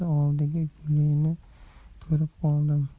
oldida gulini ko'rib qoldim